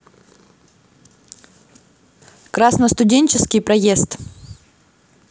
красностуденческий проезд